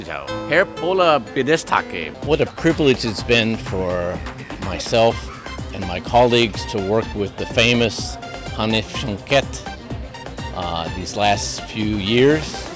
যাও হের পোলা বিদেশ থাকে what a pleasure it is been for myself my colleague to work with the famous Hanif Sanket these last few years